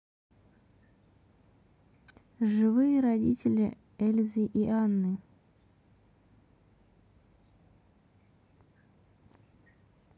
живые родители эльзы и анны